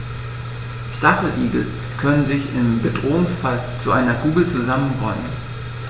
Stacheligel können sich im Bedrohungsfall zu einer Kugel zusammenrollen.